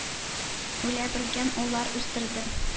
Үлә белгән уллар үстердем.